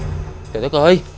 trời đất ơi